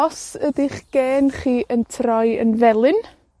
os ydi'ch gen chi yn troi yn felyn,